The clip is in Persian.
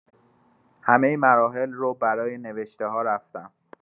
همه مراحل رو برای نوشته‌ها رفتم